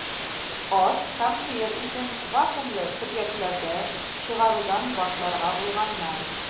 Ат һәм сыер итен вакуумлы төргәкләрдә чыгарудан башларга булганнар.